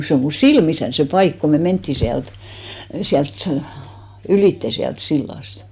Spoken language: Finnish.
se on minun silmissäni se paikka kun me mentiin sieltä sieltä - ylitse sieltä sillasta